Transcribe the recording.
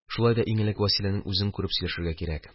Шулай да иң элек Вәсиләнең үзен күреп сөйләшергә кирәк